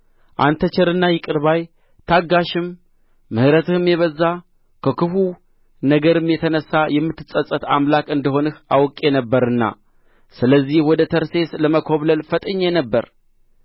አንተ ቸርና ይቅር ባይ ታጋሽም ምሕረትህም የበዛ ከክፉው ነገርም የተነሣ የምትጸጸት አምላክ እንደ ሆንህ አውቄ ነበርና ስለዚህ ወደ ተርሴስ ለመኰብለል ፈጥኜ ነበር